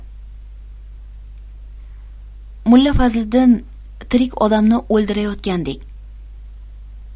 mulla fazliddin tirik odamni o'ldirayotgandek